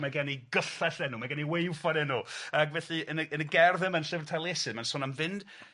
Mae gen 'i gyllell enw, ma' gen 'i waewffon enw, ag felly yn y yn y gerdd yma yn Llyfr Taliesin, mae'n sôn am fynd